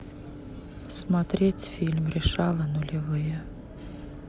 смотреть фильм решала нулевые